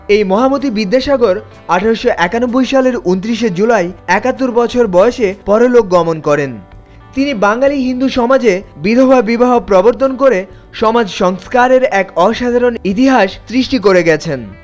এ মহামতি বিদ্যাসাগর ১৮৯১ সালের২৯ শে জুলাই ৭১ বছর বয়সে পরলোক গমন করেন তিনি বাঙালি হিন্দু সমাজের বিধবা বিবাহ প্রবর্তন করে সমাজ সংস্কারের এক অসাধারণ ইতিহাস সৃষ্টি করে গেছেন